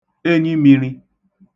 enyimīrī